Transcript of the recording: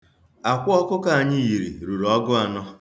Akwa ọkụkọ anyị yiri ruru ọgụanọ.